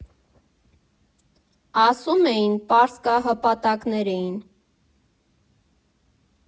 Ասում էին՝ պարսկահպատակներ էին։